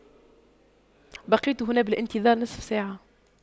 بقيت هنا بالانتظار نصف ساعة